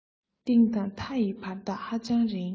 གཏིང དང མཐའ ཡི བར ཐག ཧ ཅང རིང